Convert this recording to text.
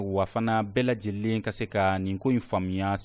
wa fana bɛɛ lajɛlen ka se ka nin ko in faamuya